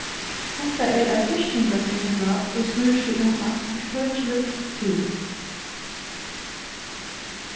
hetta er ein yrkingakringla ið snýr seg um eitt úrtøkiligt tú